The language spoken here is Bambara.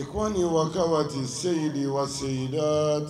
I ko nin wa waati seyi de waseyi da